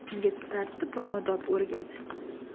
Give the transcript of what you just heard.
unga tartib va odob o'rgat